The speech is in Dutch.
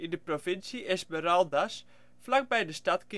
de provincie Esmeraldas, vlakbij de stad